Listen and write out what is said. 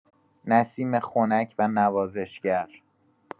نسیم خنک و نوازشگر